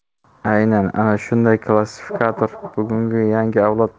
aynan ana shunday klassifikator bugungi yangi avlod